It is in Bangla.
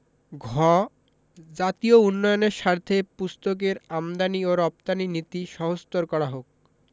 ঘ জাতীয় উন্নয়নের স্বার্থে পুস্তকের আমদানী ও রপ্তানী নীতি সহজতর করা হোক